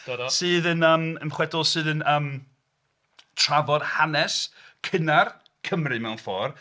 Do, do... Sydd yn yym chwedl sydd yn yym trafod hanes cynnar Cymru, mewn ffordd.